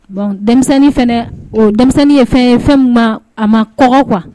Bon denmisɛnnin o denmisɛnnin ye fɛn ye fɛn min ma a maɔgɔ kuwa